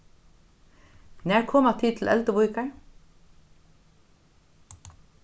nær koma tit til elduvíkar